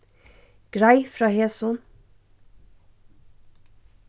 greið frá hesum